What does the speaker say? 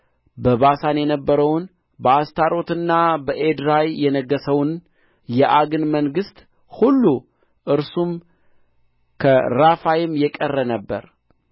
በባሳን የነበረውን በአስታሮትና በኤድራይ የነገሠውን የዐግን መንግሥት ሁሉ እርሱም ከራፋይም የቀረ ነበረ